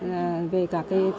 về các